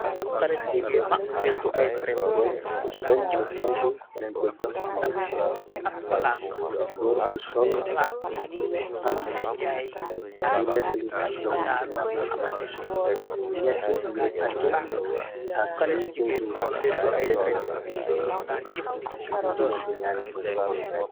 ñaarimbr mbër bu sol lu xonk denko jox ndambi bër bu sol am lu neteli joxuñ ko ndambi ñett ñuy ate ak ñuy seytu dëgg ci digante ñaari mbërey